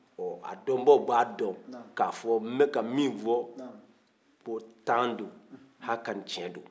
ɔɔ a dɔnbaaw b'a dɔn ka fɔ ko n bɛ ka min fɔ ko tan don hakan tiɲɛ don